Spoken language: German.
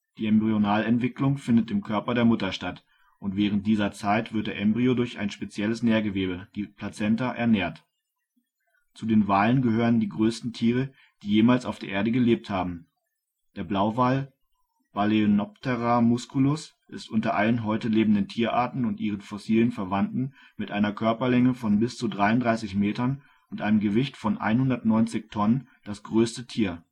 Die Embryonalentwicklung findet im Körper der Mutter statt, und während dieser Zeit wird der Embryo durch ein spezielles Nährgewebe, die Plazenta, ernährt. Zu den Walen gehören die größten Tiere, die jemals auf der Erde gelebt haben. Der Blauwal (Balaenoptera musculus) ist unter allen heute lebenden Tierarten und ihren fossilen Verwandten mit einer Körperlänge von bis zu 33 Metern und einem Gewicht von 190 Tonnen das größte Tier